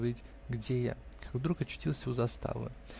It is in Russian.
забыть, где я, как вдруг очутился у заставы.